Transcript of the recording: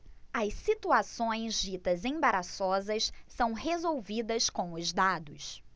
as situações ditas embaraçosas são resolvidas com os dados